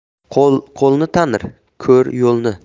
qo'l qo'lni tanir ko'r yo'lni